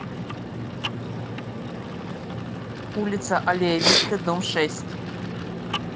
улица аллея витте дом шесть